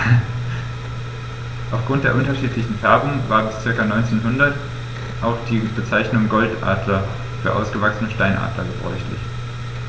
Auf Grund der unterschiedlichen Färbung war bis ca. 1900 auch die Bezeichnung Goldadler für ausgewachsene Steinadler gebräuchlich.